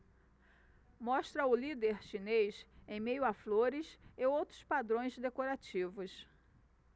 mostra o líder chinês em meio a flores e outros padrões decorativos